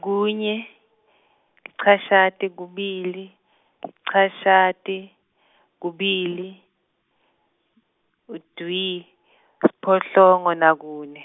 kunye , lichashata kubili, lichashata, kubili, o dvwi, siphohlongo nakune.